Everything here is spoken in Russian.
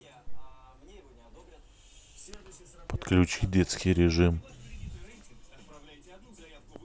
подключи детский режим